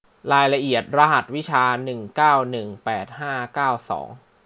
รายละเอียดรหัสวิชาหนึ่งเก้าหนึ่งแปดห้าเก้าสอง